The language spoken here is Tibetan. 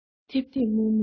ཐིབ ཐིབ སྨུག སྨུག མེད པའི